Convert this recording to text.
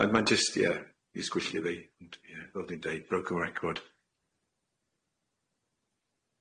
Ma' ma'n jyst ie i jyst gwylltio fi ond ie fel dwi'n deud broken record.